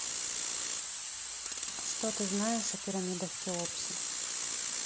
что ты знаешь о пирамидах хеопса